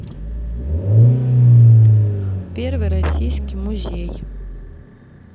первый российский музей